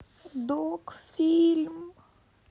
док фильм